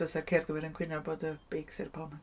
Fysa'r cerddwyr yn cwyno bod y beics ar y palmant.